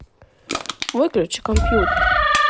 выключи компьютер